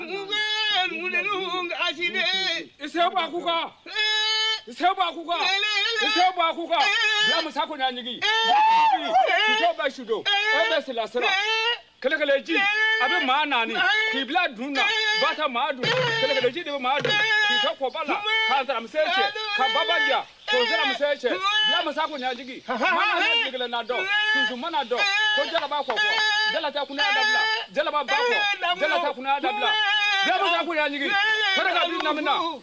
Ji a bɛ maa naani k'i bila dundajij